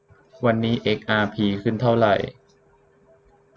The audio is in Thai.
วันนี้เอ็กอาร์พีขึ้นเท่าไหร่